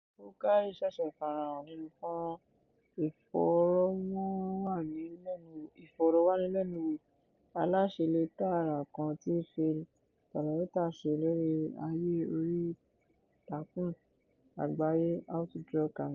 Boukary ṣẹ̀ṣẹ̀ farahàn nínú fọ́nràn ìfòròwánilénuwò aláṣetẹ̀léra kan tí Phil Paoletta ṣe lórí àyè oríìtakùn àgbáyé How to Draw Camels.